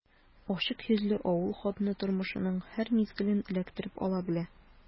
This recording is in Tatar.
Ачык йөзле авыл хатыны тормышның һәр мизгелен эләктереп ала белә.